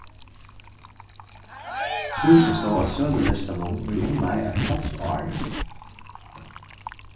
húsið stóð á sølulistanum í umleið eitt hálvt ár